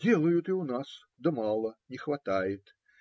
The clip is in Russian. - Делают и у нас, да мало, не хватает.